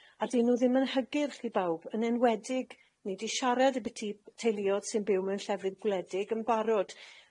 a 'dyn nw ddim yn hygyrch i bawb, yn enwedig, ni 'di siarad am biti teuluodd sy'n byw mewn llefydd gwledig yn barod,